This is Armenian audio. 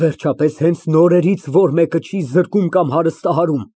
Վերջապես, հենց նորերից ո՞ր մեկը չի զրկում կամ հարստահարում։